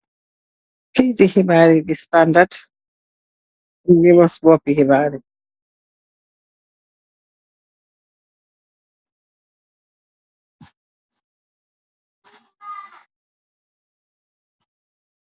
Kayiti xibarr yi di Standard mo ngeh wax ci bópi xibaryi .